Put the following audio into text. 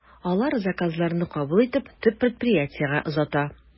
Алар заказларны кабул итеп, төп предприятиегә озата.